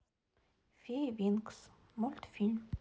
феи винкс мультфильм